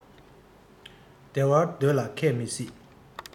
བདེ བར སྡོད ལ མཁས མི སྲིད